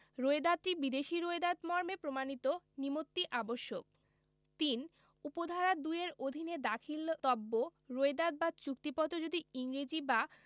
রোয়েদাদটি বিদেশী রোয়েদাদ মর্মে প্রমাণীত নিমত্তি আবশ্যক ৩ উপ ধারা ২ এর অধীনে দাখিলতব্য রোয়েদাদ বা চুক্তিপত্র যদি ইংরেজী বা